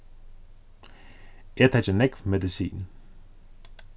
eg taki nógv medisin